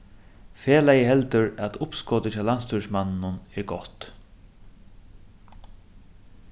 felagið heldur at uppskotið hjá landsstýrismanninum er gott